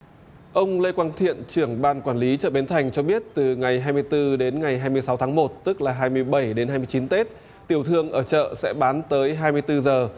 ông lê quang thiện trưởng ban quản lý chợ bến thành cho biết từ ngày hai mươi tư đến ngày hai mươi sáu tháng một tức là hai mươi bảy đến hai mươi chín tết tiểu thương ở chợ sẽ bán tới hai mươi tư giờ